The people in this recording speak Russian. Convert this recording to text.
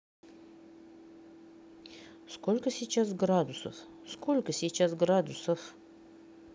сколько сейчас градусов сколько сейчас градусов